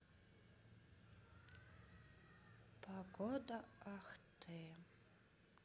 погода ахты